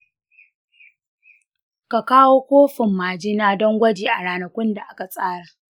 ka kawo kofin majina don gwaji a ranakun da aka tsara.